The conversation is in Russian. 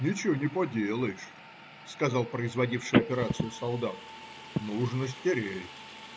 - Ничего не поделаешь, - сказал производивший операцию солдат. - Нужно стереть.